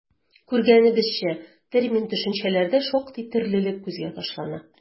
Күргәнебезчә, термин-төшенчәләрдә шактый төрлелек күзгә ташлана.